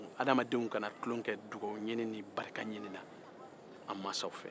adamadenw kana tulon kɛ dugawu ɲinin ni barika ɲinin na masaw fɛ